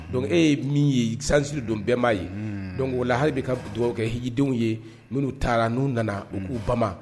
Dɔnkuc e ye min ye sansiriri don bɛɛba ye don o ola la hali bɛ ka dugawuwa kɛ hdenw ye minnuu taara n'u nana u k'u bama